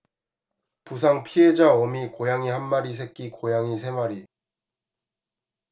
부상 피해자 어미 고양이 한 마리 새끼 고양이 세 마리